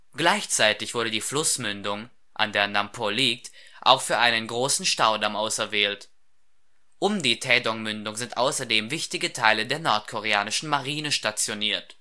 Gleichzeitig wurde die Flussmündung, an der Namp’ o liegt, auch für einen großen Staudamm auserwählt. Um die Taedong-Mündung sind außerdem wichtige Teile der nordkoreanischen Marine stationiert